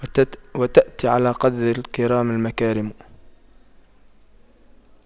وتأتي على قدر الكرام المكارم